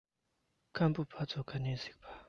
ཁམ བུ ཕ ཚོ ག ནས གཟིགས པ